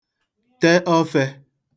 te ọfẹ̄